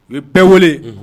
U bɛɛ wele